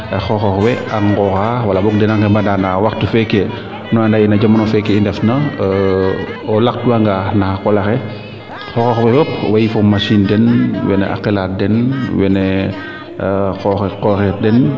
xooxox we a ngooxaa wala boog dena ngena no waxtu feeke nu anda yee no jamano feeke i ndef na o laq wanga naxa qola xe xoxox we fop owey fo machine den wene a qalar den wene qoxir den